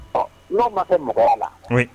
Ɔ n' ma ko mɔgɔ a la